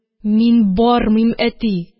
Мин бармыйм, әти.